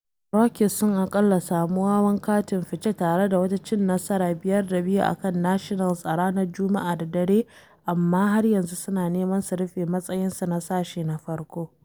Rockies sun aƙalla sami wawan katin fice tare da wata cin nasara 5 da 2 a kan Nationals a ranar Juma’a da dare, amma har yanzu suna neman su rufe matsayinsu na sashe na farko.